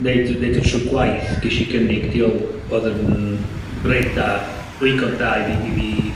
neud o neud o trw gwaith gesh i gynnig 'di ol- odd yn reit dda. O' igon da i fi i fi